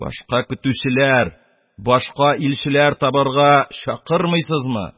Башка көтүчеләр, башка илчеләр табарга чакырмыйсызмы?